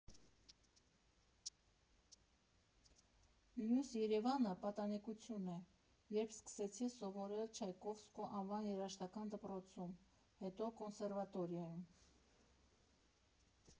Մյուս Երևանը պատանեկությունն է, երբ սկսեցի սովորել Չայկովսկու անվան երաժշտական դպրոցում, հետո՝ կոնսերվատորիայում։